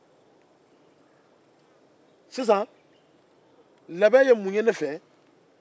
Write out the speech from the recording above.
labɛn ye mun ye ne fɛ